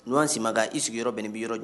Ɲɔgɔnwan si ma kan i sigiyɔrɔ yɔrɔ bɛn bi yɔrɔ jɔ